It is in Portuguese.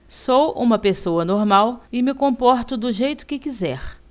sou homossexual e me comporto do jeito que quiser